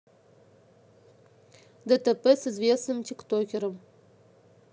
дтп с известным тиктокером